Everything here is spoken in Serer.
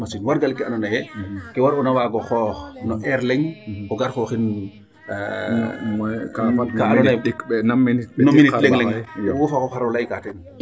Machine wargal ke andoona yee ke war'oona waag o xoox no heure leŋ o gar xooxin no kaa andoona yee no minute leŋ rek wo fa xooxof xar o layka teen.